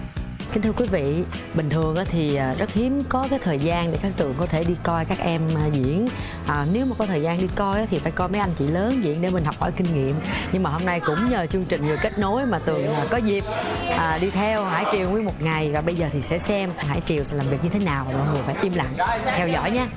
kính thưa quý vị bình thường á thì rất hiếm có cái thời gian để cát tường có thể đi coi các em diễn ờ nếu mà có thời gian đi coi á thì phải đi coi mấy anh chị lớn diễn để mình học hỏi kinh nghiệm nhưng mà hôm nay cũng nhờ chương trình người kết nối mà tường có dịp đi theo hải triều nguyên một ngày rồi bây giờ thì sẽ xem hải chiều sẽ làm việc như thế nào và mọi người phải im lặng theo dõi nhá